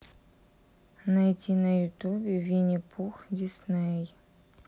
найди на ютубе винни пух дисней